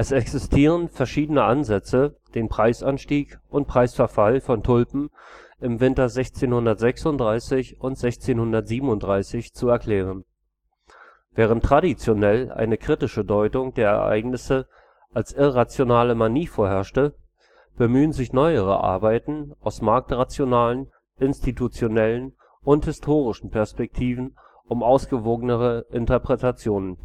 existieren verschiedene Ansätze, den Preisanstieg und Preisverfall von Tulpen im Winter 1636 und 1637 zu erklären. Während traditionell eine kritische Deutung der Ereignisse als irrationale Manie vorherrschte, bemühen sich neuere Arbeiten aus marktrationalen, institutionellen und historischen Perspektiven um ausgewogenere Interpretationen